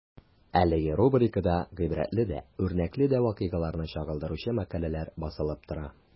Әлеге рубрикада гыйбрәтле дә, үрнәкле дә вакыйгаларны чагылдыручы мәкаләләр басылып тора.